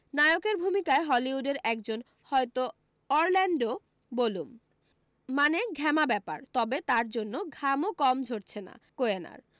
নায়কের ভূমিকায় হলিউডের এক জন হয়তো অরল্যাণ্ডও বলুম মানে ঘ্যামা ব্যাপার তবে তার জন্য ঘামও কম ঝরছে না কোয়েনার